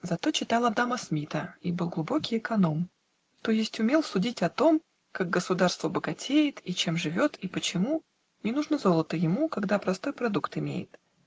Зато читал Адама Смита И был глубокой эконом, То есть умел судить о том, Как государство богатеет, И чем живет, и почему Не нужно золота ему, Когда простой продукт имеет.